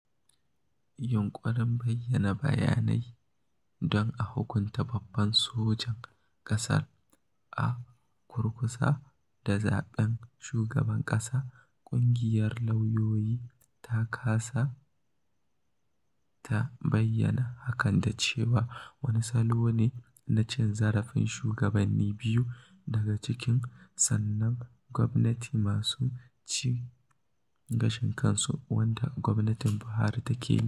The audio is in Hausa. Yunƙurin baya-bayan nan don a hukunta babban jojin ƙasar - a kurkusa da zaɓen shugaban ƙasa - ƙungiyar lauyoyi ta ƙasa ta bayyana hakan da cewa "wani salo ne na cin zarafin shugabannin biyu daga cikin sassan gwamnati masu cin gashin kansu" wanda gwamnatin Buharin take yi.